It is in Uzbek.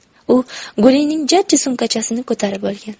u gulining jajji sumkachasini ko'tarib olgan